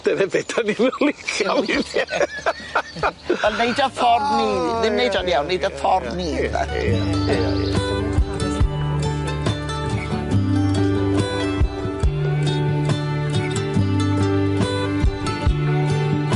Dyna be' dan ni'm yn licio. A neud o ffor ni dim neud o'n iawn neud o ffor ni! Ia ia ia ia.